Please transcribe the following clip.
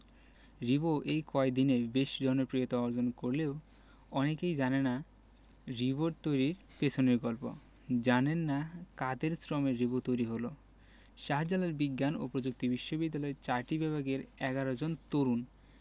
রিবো এই কয়দিনে বেশ জনপ্রিয়তা অর্জন করলেও অনেকেই জানেন না রিবো তৈরির পেছনের গল্প জানেন না কাদের শ্রমে রিবো তৈরি হলো শাহজালাল বিজ্ঞান ও প্রযুক্তি বিশ্ববিদ্যালয়ের চারটি বিভাগের ১১ জন তরুণ